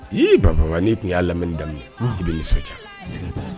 I ye baba n' tun y'a lamini daminɛ i bɛ nisɔndiya